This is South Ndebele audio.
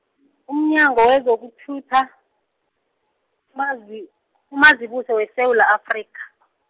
umnyango wezokuthutha, UMazi- , uMazibuse weSewula Afrika .